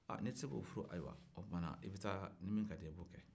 ni tɛ se k'o furu ayiwa o tumana i bɛ taa ni min ka d'i ye i b'o kɛ